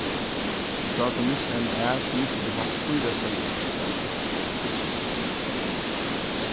so tá tú missir eina ær so missir tú faktiskt fýra seyðir greiðir bóndin